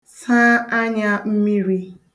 saa anyā mmiri